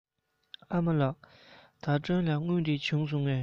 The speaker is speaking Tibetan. ཨ མ ལགས ཟླ སྒྲོན ལ དངུལ དེ བྱུང སོང ངས